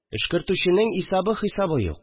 Өшкертүченең исәбе-хисабы юк